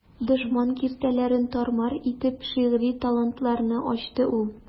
Дошман киртәләрен тар-мар итеп, шигъри талантларны ачты ул.